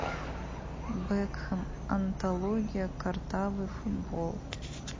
бекхэм антология картавый футбол